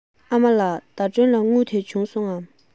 ཨ མ ལགས ཟླ སྒྲོན ལ དངུལ དེ བྱུང སོང ངས